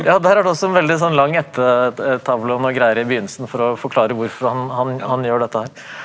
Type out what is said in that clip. ja der er det også en veldig sånn lang ættetavle og noen greier i begynnelsen for å forklare hvorfor han han han gjør dette her.